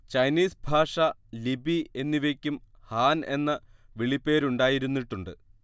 Chinese ഭാഷ ലിപി എന്നിവയ്ക്കും ഹാൻ എന്ന വിളിപ്പേരുണ്ടായിരുന്നിട്ടുണ്ട്